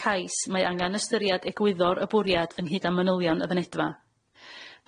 cais mae angan ystyriad egwyddor y bwriad ynghyd â manylion y fynedfa.